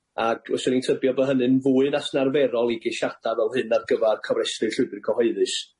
ag fyswn i'n tybio bo' hynny'n fwy na sy'n arferol i gesiada' fel hyn ar gyfar cofrestru llwybyr cyhoeddus.